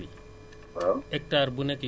loolu ngay def ci tool bi